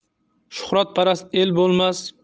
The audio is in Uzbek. shuhratparast el bo'lmas